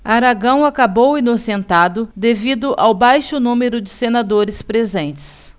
aragão acabou inocentado devido ao baixo número de senadores presentes